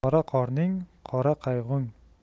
qora qorning qora qayg'ung